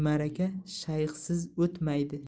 maraka shayxsiz o'tmaydi